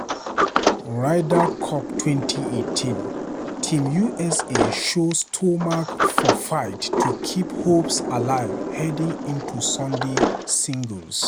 Ryder Cup 2018: Team USA show stomach for fight to keep hopes alive heading into Sunday singles